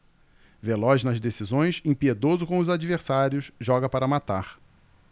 veloz nas decisões impiedoso com os adversários joga para matar